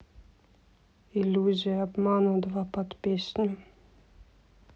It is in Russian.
иллюзия обмана два под песню